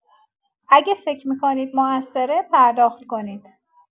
اگه فکر می‌کنید موثره پرداخت کنید.